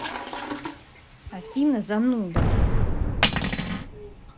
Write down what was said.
афина зануда